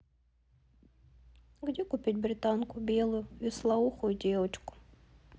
где купить британку белую вислоухую девочку